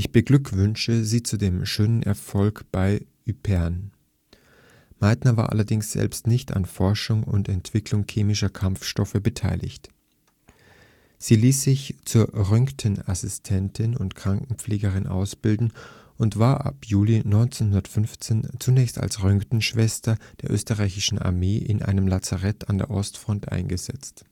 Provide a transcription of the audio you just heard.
beglückwünsche Sie zu dem schönen Erfolg bei Ypern “. Meitner war allerdings selbst nicht an Forschung oder Entwicklung chemischer Kampfstoffe beteiligt. Sie ließ sich zur Röntgenassistentin und Krankenpflegerin ausbilden und war ab Juli 1915 zunächst als Röntgenschwester der österreichischen Armee in einem Lazarett an der Ostfront eingesetzt